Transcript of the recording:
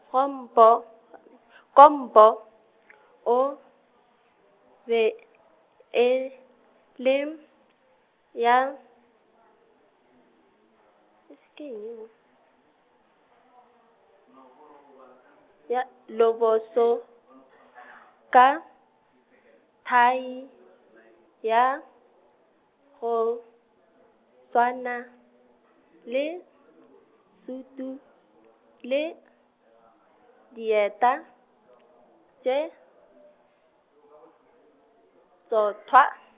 pompo , Kompo , o, be, e, le m-, ya, , ya, lo boso , ka, thai, ya, go, swana, le, sutu, le, dieta, tše, tsothwa.